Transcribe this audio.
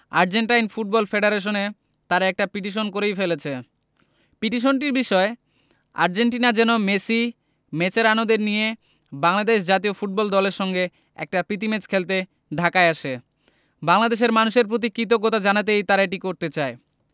Argentine football ফেডারেশনে তারা একটা পিটিশনই করে ফেলেছে পিটিশনটির বিষয় আর্জেন্টিনা যেন মেসি মেচেরানোদের নিয়ে বাংলাদেশ জাতীয় ফুটবল দলের সঙ্গে একটা প্রীতি ম্যাচ খেলতে ঢাকায় আসে বাংলাদেশের মানুষের প্রতি কৃতজ্ঞতা জানাতেই তারা এটি করতে চায়